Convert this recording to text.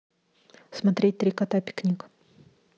смотреть три кота пикник